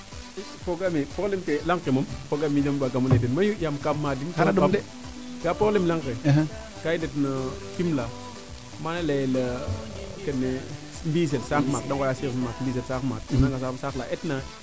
i foogaame probleme ke laŋ ke moom fogame waaga mo ley teen mayu yaam nkam maadin ga'a probleme laŋ ke ka i ndet no Fimela mana leyel kene Mbisel saax maak de ngooya Mbisel saax maak o nana nga saax la eetna